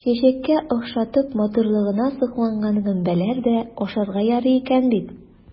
Чәчәккә охшатып, матурлыгына сокланган гөмбәләр дә ашарга ярый икән бит!